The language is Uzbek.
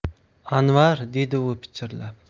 anvar dedi u pichirlab